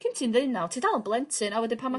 cyn ti'n deunaw ti dal blentyn a wedyn pan ma'...